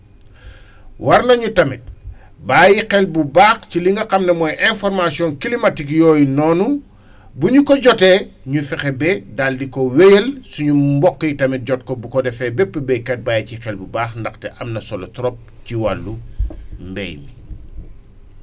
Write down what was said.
war nañu tamit bàyyi xel bu baax ci li nga xam ne mooy information climatique yooyu noonu bu ñu ko jotee ñu fexe ba daal di ko wéyal suñu mbokk yi tamit jot ko bu ko defee bépp béykat bàyyi ci xel bu baax ndaxte am na solo trop ci wàllu mbéy mi